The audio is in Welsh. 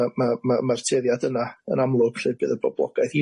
ma' ma' ma' ma' ma'r tueddiad yna yn amlwg lly bydd y boblogaeth